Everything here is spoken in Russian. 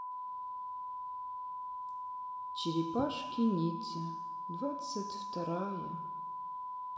черепашки ниндзя двадцать вторая